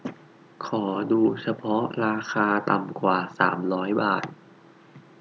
ขอดูเฉพาะราคาต่ำกว่าสามร้อยบาท